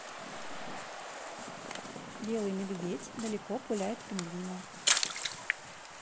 белый медведь далеко пуляет пингвина